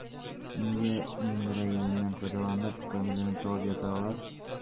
Нигә миңгерәюеннән файдаланып, Камиләне талап ята алар?